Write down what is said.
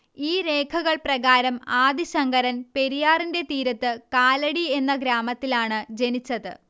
ഈ രേഖകൾ പ്രകാരം ആദി ശങ്കരന് പെരിയാറിന്റെ തീരത്ത് കാലടി എന്ന ഗ്രാമത്തിലാണ് ജനിച്ചത്